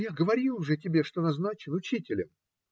- Я говорил уже тебе, что назначен учителем.